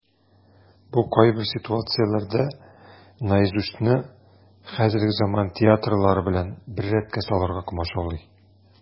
Бу кайбер ситуацияләрдә "Наизусть"ны хәзерге заман театрылары белән бер рәткә салырга комачаулый.